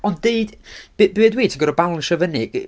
Ond deud... b- be dwi ddweud, ti gorod balansio fyny.